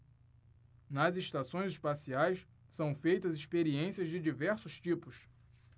nas estações espaciais são feitas experiências de diversos tipos